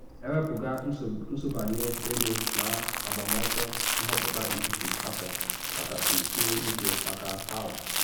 Ewepuga nsọbanye ego n’agbamọsọ nhọpụta etiti afọ kachasị sie ike maka House